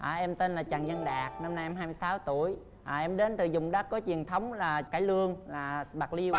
em tên là trần văn đạt năm nay em hai mươi sáu tuổi em đến từ vùng đất có truyền thống là cải lương là bạc liêu